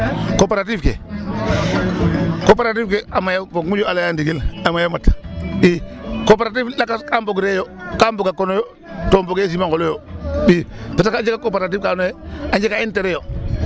Coopérative ke coopérative ke a maya roog moƴu a layaayo ndigil a maya mat i. Cooperative lakas ka mbogree yo kaa mbooga kon oyo to mbogee simangol yo ii parce que a jega coopérative ka andoona yee a njega interet yo.